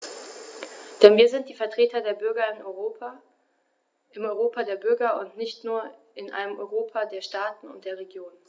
Denn wir sind die Vertreter der Bürger im Europa der Bürger und nicht nur in einem Europa der Staaten und der Regionen.